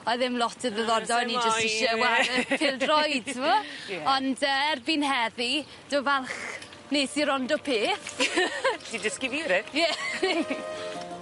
oedd ddim lot o ddiddorded pêl-droed t'mo'? Ie. Ond yy erbyn heddi dw falch nes i rondo peth. I dysgu fi reit? Ie.